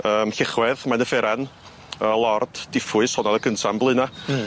Yym Llechwedd, Maen y Fferan, yy Lord, Diffwys honna o'dd y gynta yn Blaena'. Hmm.